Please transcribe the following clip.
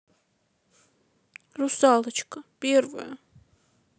русалочка первая